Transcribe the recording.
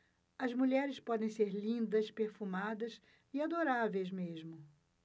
as mulheres podem ser lindas perfumadas e adoráveis mesmo